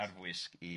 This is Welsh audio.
arfwisg